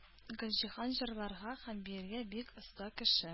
Гөлҗиһан җырларга һәм биергә бик оста кеше.